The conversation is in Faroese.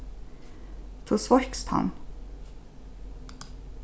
tú sveikst hann